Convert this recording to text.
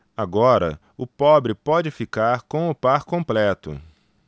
agora o pobre pode ficar com o par completo